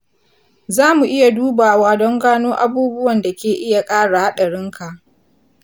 za mu iya duba wa don gano abubuwan da ke iya ƙara haɗarinka.